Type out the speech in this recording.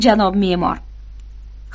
janob me'mor